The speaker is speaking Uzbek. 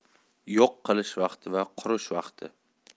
yo'q qilish vaqti va qurish vaqti